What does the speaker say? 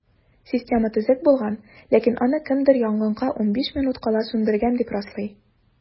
Система төзек булган, ләкин аны кемдер янгынга 15 минут кала сүндергән, дип раслый.